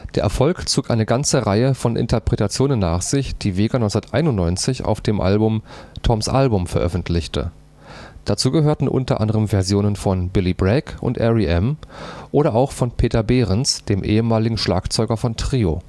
Erfolg zog eine ganze Reihe von Interpretationen nach sich, die Vega 1991 auf dem Album Tom’ s Album veröffentlichte. Dazu gehörten unter anderem Versionen von Billy Bragg und R.E.M. oder auch von Peter Behrens, dem ehemaligen Schlagzeuger von Trio